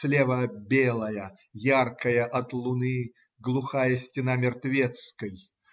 слева - белая, яркая от луны, глухая стена мертвецкой.